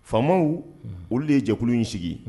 Famaw unhun olu de ye jɛkulu ɲin sigi